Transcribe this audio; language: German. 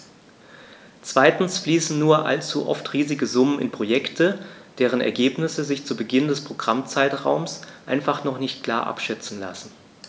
Zweitens fließen nur allzu oft riesige Summen in Projekte, deren Ergebnisse sich zu Beginn des Programmzeitraums einfach noch nicht klar abschätzen lassen.